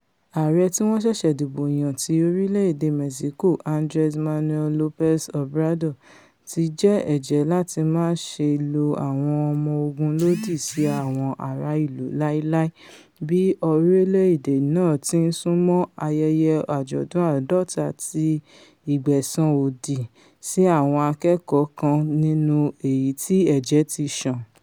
Ààrẹ-tíwọnṣẹ̀ṣẹ̀-dìbòyàn ti orílẹ̀-èdè Mẹ́ṣíkò Andres Manuel Lopez Obrador ti jẹ́ ẹ̀jẹ́ láti máṣe lo àwọn ọmọ ogun lòdì sí àwọn ara ìlú láíláí bí orílẹ̀-èdè náà ti ńsúnmọ́ ayẹyẹ àjọ̀dún àádọ́tá ti ìgbẹ̀san òdì sí àwọn akẹ́kọ̀ọ́ kan nínú èyití ẹ̀jẹ̀ ti sàn.